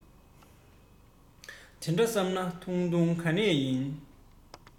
དེ འདྲ བསམས ན ཐུང ཐུང ག ནས ཡིན